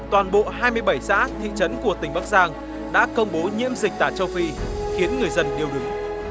toàn bộ hai mươi bảy xã thị trấn của tỉnh bắc giang đã công bố nhiễm dịch tả châu phi khiến người dân điêu đứng